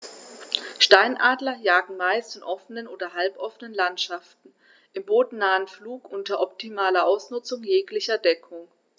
Steinadler jagen meist in offenen oder halboffenen Landschaften im bodennahen Flug unter optimaler Ausnutzung jeglicher Deckung.